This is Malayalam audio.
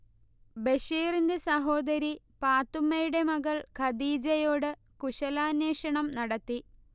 ബഷീറിന്റെ സഹോദരി പാത്തുമ്മയുടെ മകൾ ഖദീജയോട് കുശലാന്വേഷണം നടത്തി